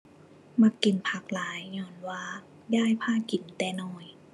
มักกินผักหลาย ญ้อนว่ายายพากินแต่น้อย